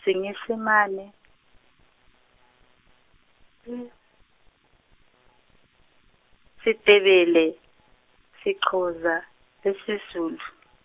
Senyesemane, Setebele, Sethosa, le Sezulu.